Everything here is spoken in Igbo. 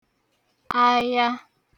àya